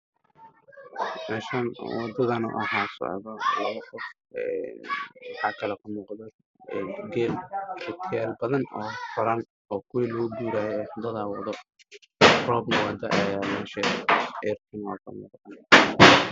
Waa meel banaan ah waxaa maraya geel waxaa wada laba qof geedo cagaaran ayaa ka baxaayo oo dhaadheer